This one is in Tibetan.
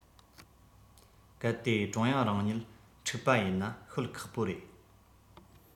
གལ ཏེ ཀྲུང དབྱང རང གཉིད འཁྲུག པ ཡིན ན ཤོད ཁག པོ རེད